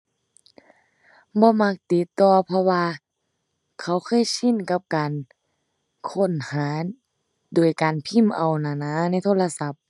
บ่มักติดต่อ เพราะว่าเขาเคยชินกับการค้นหาโดยการพิมพ์เอานั้นนะ ในโทรศัพท์